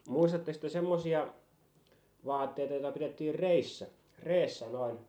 muistattekos te semmoisia vaatteita joita pidettiin reissä reessä noin